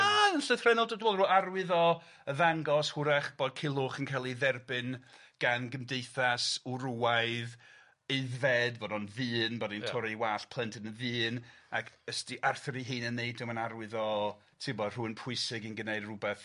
Na yn llythrennol, dw- dwi'n me'wl ryw arwydd o y ddangos hwrach bod Culhwch yn ca'l ii dderbyn gan gymdeithas wrywaidd aeddfed fod o'n ddyn bo' ni'n torri wallt plentyn yn ddyn ac ys 'di Arthur ei hun yn neud o ma'n arwydd o ti wbod rhywun pwysig yn gneud rywbeth...